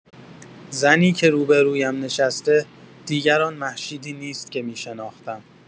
زنی که روبه‌رویم نشسته، دیگر آن مهشیدی نیست که می‌شناختم.